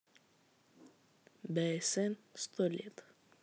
бсн сто лет